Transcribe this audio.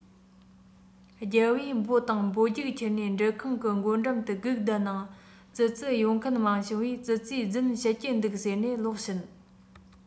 རྒྱལ པོས འབོ དང འབོ རྒྱུགས ཁྱེར ནས འབྲུ ཁང གི སྒོ འགྲམ དུ སྒུག བསྡད ནའང ཙི ཙི ཡོང མཁན མ བྱུང བས ཙི ཙིས རྫུན བཤད ཀྱི འདུག ཟེར ནས ལོག ཕྱིན